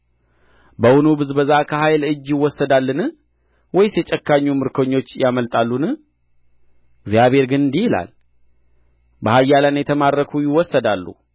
በውኑ ብዝበዛ ከኃያል እጅ ይወሰዳልን ወይስ የጨካኙ ምርኮኞች ያመልጣሉን እግዚአብሔር ግን እንዲህ ይላል በኃያላን የተማረኩ ይወሰዳሉ